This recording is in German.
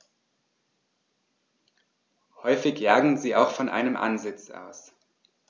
Häufig jagen sie auch von einem Ansitz aus.